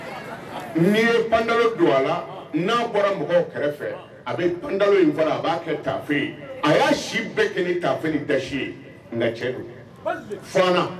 N yeda don a'a bɔra mɔgɔw kɛrɛfɛ a bɛda a b'a kɛ taafe a y'a si bɛɛ ni tafe tɛ ye cɛ